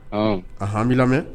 Ɔ aanmi lamɛn